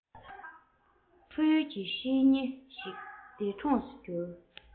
ཕ ཡུལ གྱི གཉེན ཉེ ཞིག འདས གྲོངས སུ གྱུར